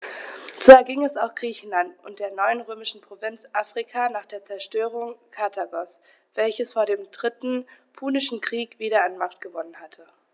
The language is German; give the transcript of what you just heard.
So erging es auch Griechenland und der neuen römischen Provinz Afrika nach der Zerstörung Karthagos, welches vor dem Dritten Punischen Krieg wieder an Macht gewonnen hatte.